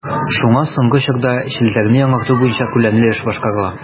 Шуңа соңгы чорда челтәрне яңарту буенча күләмле эш башкарыла.